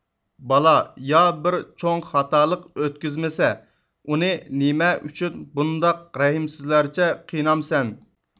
بالا يا بىر چوڭ خاتالىق ئۆتكۈزمىسە ئۇنى نېمە ئۈچۈن بۇنداق رەھىمسىزلارچە قىينامسەن